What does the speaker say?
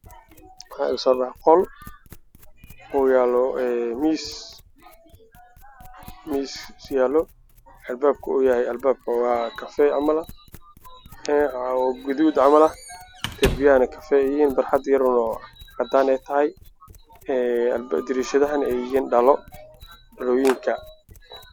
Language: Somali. Meeshan waxaa ku yaalla qol darbigiisu waa dhalo waxaa taalo arrimahaajo ka fiican dhulkiisuna waa caddaan